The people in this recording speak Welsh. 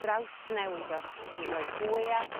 drawsnewid o drw roi gwead